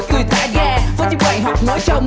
cười thả ga với những bài học mới cho